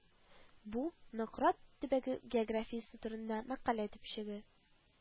Бу Нократ төбәге географиясе турында мәкалә төпчеге